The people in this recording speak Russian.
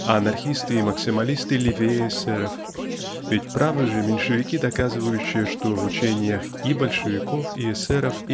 а анархисты и максималисты "левее" эс-эров? Ведь правы же меньшевики доказывающие что в учениях и большевиков и эс-эров